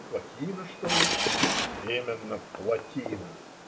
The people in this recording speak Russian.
ну, плотина, что ли. - Именно плотина.